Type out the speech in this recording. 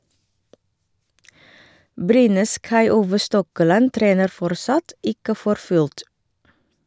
Brynes Kai-Ove Stokkeland trener fortsatt ikke for fullt.